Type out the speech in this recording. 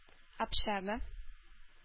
Общага